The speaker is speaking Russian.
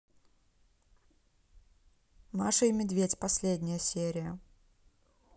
маша и медведь последняя серия